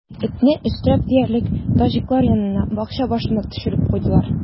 Этне, өстерәп диярлек, таҗиклар янына, бакча башына төшереп куйдылар.